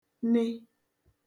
ne